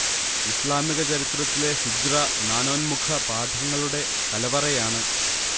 ഇസ്ലാമിക ചരിത്രത്തിലെ ഹിജ്റ നാനോന്മുഖ പാഠങ്ങളുടെ കലവറയാണ്